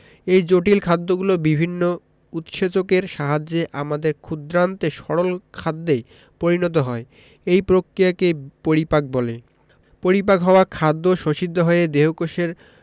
এই জটিল খাদ্যগুলো বিভিন্ন উৎসেচকের সাহায্যে আমাদের ক্ষুদ্রান্তে সরল খাদ্যে পরিণত হয় এই প্রক্রিয়াকে পরিপাক বলে পরিপাক হওয়া খাদ্য শোষিত হয়ে দেহকোষের